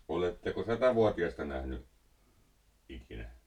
oletteko satavuotiasta nähnyt ikinä